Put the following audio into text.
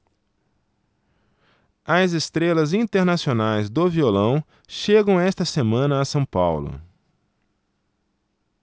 as estrelas internacionais do violão chegam esta semana a são paulo